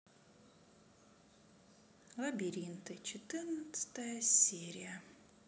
лабиринты четырнадцатая серия